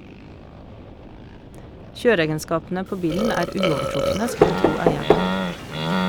Kjøreegenskapene på bilen er uovertrufne, skal vi tro eieren.